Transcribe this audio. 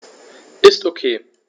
Ist OK.